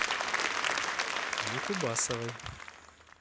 на кубасовой